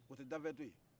o tɛ danfɛn toyen